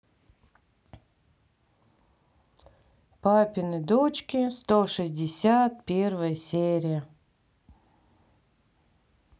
папины дочки сто шестьдесят первая серия